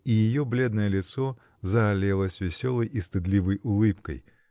" И ее бледное лицо заалелось веселой и стыдливой улыбкой